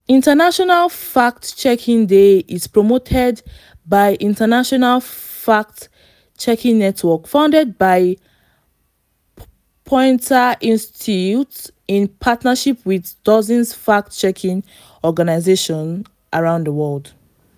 International Fact-Checking Day is promoted by the International Fact-Checking Network, founded by the Poynter institute in partnership with dozens fact-checking organizations around the world.